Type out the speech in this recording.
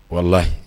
Wala